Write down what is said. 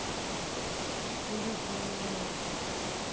любимая